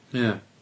Ie.